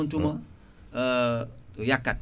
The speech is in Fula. on tuma yakkat